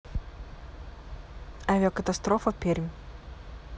авиакатастрофа пермь